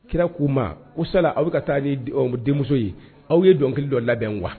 Kira k'u ma ko sala a' be ka taa ni d ɔn denmuso ye aw ye dɔnkili dɔ labɛn wa